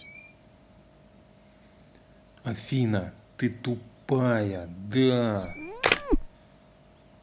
афина ты тупая да